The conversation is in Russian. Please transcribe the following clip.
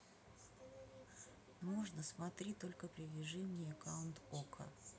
можно смотри только привяжи мне аккаунт okko